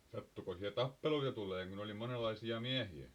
sattuiko siellä tappeluita tulemaan kun oli monenlaisia miehiä